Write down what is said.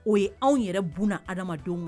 O ye anw yɛrɛ bna adamadenw kan